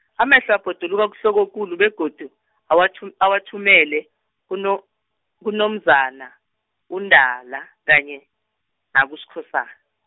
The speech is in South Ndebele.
amehlo abhoduluka kuhlokokulu begodu, awathu- awathumele kuNo- kuNomzana, uNdala, kanye, nakuSkhosana.